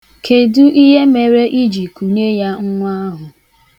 Kedụ ihe mere i ji kunye ya nwa ahụ?